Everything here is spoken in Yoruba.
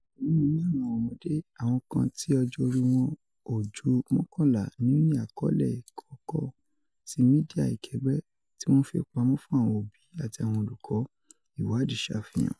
Ọkan nínú maarun awọn ọmọde – awọn kan ti ọjọ ori wọn o ju 11 - ni o ni akọọlẹ ikọkọ ti midia ikẹgbẹ ti wọn n fi pamọ fun awọn obi ati awọn olukọ, iwaadi ṣafian